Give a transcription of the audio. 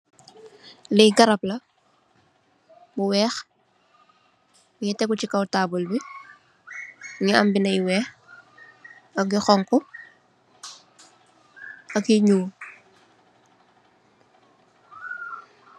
Lii garab la, bu wekh, mungy tehgu chi kaw taabul bii, mungy am binda yu wekh, ak yu honhu, ak yu njull.